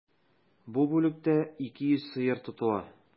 Бу бүлектә 200 сыер тотыла.